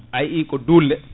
ayi ko dulle